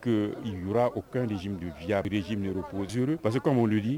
Que il n'y aura aucun régime